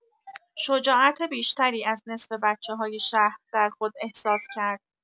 شجاعت بیشتری از نصف بچه‌های شهر در خود احساس کرد.